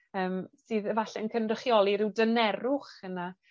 yym sydd efalle'n cynrychioli ryw dynerwch yna